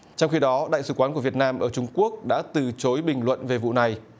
trong khi đó đại sứ quán của việt nam ở trung quốc đã từ chối bình luận về vụ này